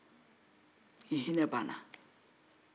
bi hinɛ banna